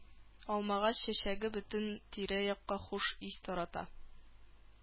Алмагач чәчәге бөтен тирә-якка хуш ис тарата.